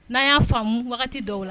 N'a y'a faamu dɔw la